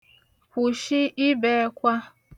kwụ̀shị ibe ẹkwa